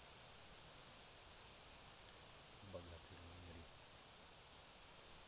богат или умри